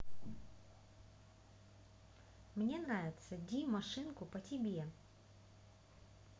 мне нравится d машинку по тебе